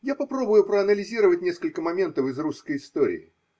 – Я попробую проанализировать несколько моментов из русской истории.